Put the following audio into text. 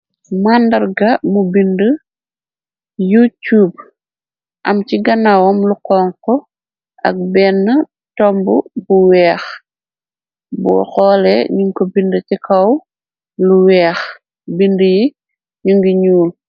Màndarga mu bindi yucub am ci ganawam lu kon ko ak benn tomb bu weex bu xoole ñuñ ko bind ci kaw lu weex bind yi ñu ngi ñyuul.